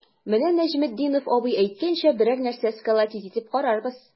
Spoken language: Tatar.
Менә Нәҗметдинов абый әйткәнчә, берәр нәрсә сколотить итеп карарбыз.